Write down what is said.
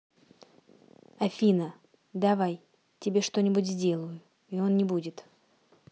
афина давай тебе что нибудь сделаю и он не будет